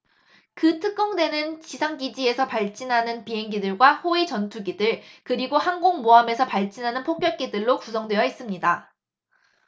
그 특공대는 지상 기지에서 발진하는 비행기들과 호위 전투기들 그리고 항공모함에서 발진하는 폭격기들로 구성되어 있었습니다